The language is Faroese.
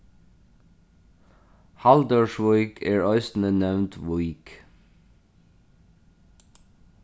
haldórsvík er eisini nevnd vík